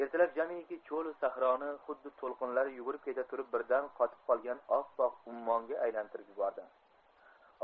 ertalab jarniki cholu sahroni xuddi tolqinlari yugurib keta turib birdan qotib qolgan oppoq ummonga aylantirib yubordi